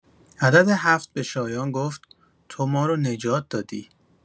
عدد ۷ به شایان گفت: «تو ما رو نجات دادی!»